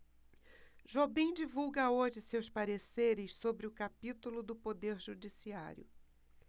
jobim divulga hoje seus pareceres sobre o capítulo do poder judiciário